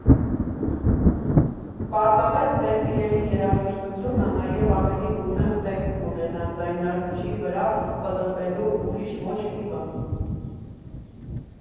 Պարզապես ձեր սիրելի երաժշտությունը նաև ավելի գունեղ տեսք կունենա ձայնարկչի վրա պտտվելիս, ուրիշ ոչ մի բան։